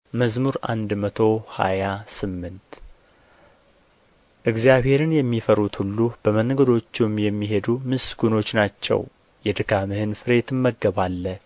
መዝሙር መቶ ሃያ ስምንት እግዚአብሔርን የሚፈሩት ሁሉ በመንገዶቹም የሚሄዱ ምስጉኖች ናቸው የድካምህንም ፍሬ ትመገባለህ